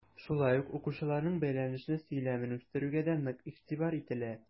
Шулай ук укучыларның бәйләнешле сөйләмен үстерүгә дә нык игътибар ителә.